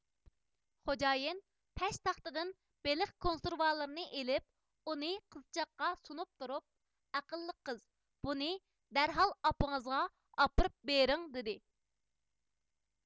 خوجايىن پەشتاختىدىن بېلىق كونسېرۋالىرىنى ئېلىپ ئۇنى قىزچاققا سۇنۇپ تۇرۇپ ئەقىللىق قىز بۇنى دەرھال ئاپىڭىزغا ئاپىرىپ بېرىڭ دېدى